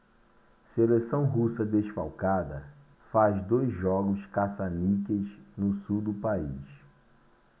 seleção russa desfalcada faz dois jogos caça-níqueis no sul do país